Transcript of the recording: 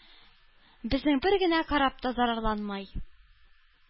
Безнең бер генә кораб та зарарланмый,